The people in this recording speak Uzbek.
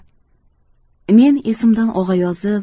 men esimdan og'ayozib